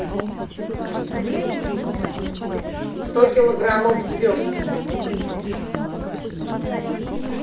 сто килограммов звезд